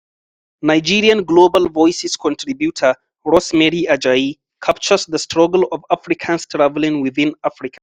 Nigerian Global Voices contributor Rosemary Ajayi captures the "struggle of Africans traveling within Africa":